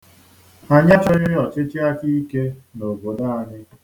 Anyị achọghị ọchịchịakaike n'obodo anyị